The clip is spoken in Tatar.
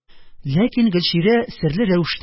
Ләкин Гөлчирә серле рәвештә